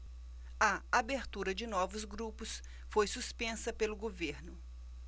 a abertura de novos grupos foi suspensa pelo governo